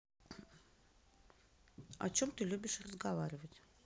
о чем ты любишь разговаривать